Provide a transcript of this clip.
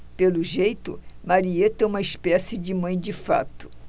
pelo jeito marieta é uma espécie de mãe de fato